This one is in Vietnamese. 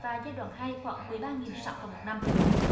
và giai đoạn hai khoảng mười ba nghìn sản phẩm một năm